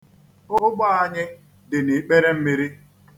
Ụgbọ anyị dị n'ikperemmiri.